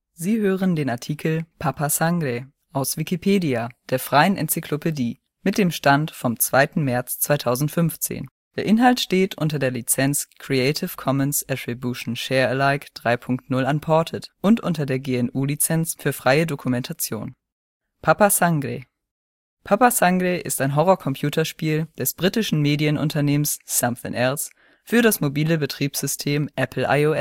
Sie hören den Artikel Papa Sangre, aus Wikipedia, der freien Enzyklopädie. Mit dem Stand vom Der Inhalt steht unter der Lizenz Creative Commons Attribution Share Alike 3 Punkt 0 Unported und unter der GNU Lizenz für freie Dokumentation. Papa Sangre Studio Somethin’ Else Leitende Entwickler Paul Bennun Erstveröffent - lichung 20. Dezember 2010 April 2013 (Neuauflage) Plattform iOS Spiel-Engine Papa Engine (ab 2013) Genre Audio-Spiel Spielmodus Einzelspieler Steuerung Touchscreen Medium Download Sprache Englisch Papa Sangre ist ein Horror-Computerspiel des britischen Medienunternehmens Somethin’ Else für das mobile Betriebssystem Apple iOS